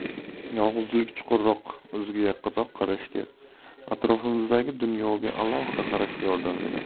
yolg'izlik chuqurroq o'ziga yaqinroq qarashga atrofimizdagi dunyoga alohida qarashga yordam beradi